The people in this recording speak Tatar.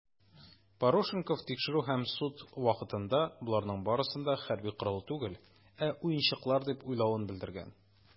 Парушенков тикшерү һәм суд вакытында, боларның барысын да хәрби корал түгел, ә уенчыклар дип уйлавын белдергән.